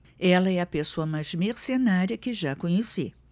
ela é a pessoa mais mercenária que já conheci